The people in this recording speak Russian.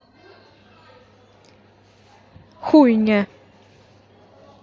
хуйня